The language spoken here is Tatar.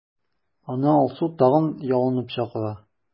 Аны Алсу тагын ялынып чакыра.